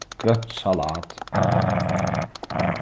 grønt salat